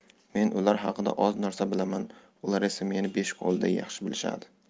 men ular haqida oz narsa bilaman ular esa meni besh qo'lday yaxshi bilishadi